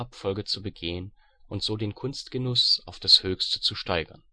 Französischen Revolution bildeten